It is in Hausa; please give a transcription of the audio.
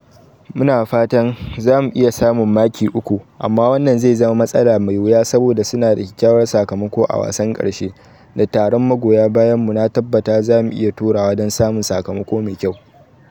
Mu na fatan, za mu iya samun maki uku amma wannan zai zama matsala mai wuya saboda su na da kyakkyawar sakamako a wasan karshe amma, da taron magoya bayan mu, na tabbata za mu iya turawa don samun sakamako mai kyau.